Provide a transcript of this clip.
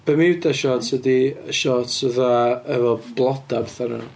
Bermuda siorts ydy siorts fatha efo blodau a pethau arnyn nhw.